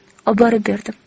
oborib berdim